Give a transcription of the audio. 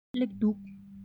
སླེབས འདུག